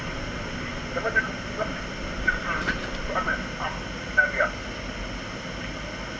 dama dégg ñuy wax [pif]